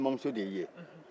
an balaimamuso de y'i ye